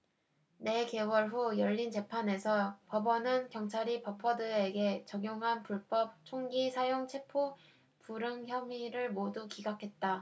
네 개월 후 열린 재판에서 법원은 경찰이 버퍼드에게 적용한 불법 총기 사용 체포 불응 혐의를 모두 기각했다